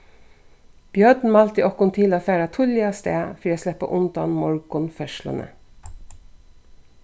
bjørn mælti okkum til at fara tíðliga avstað fyri at sleppa undan morgunferðsluni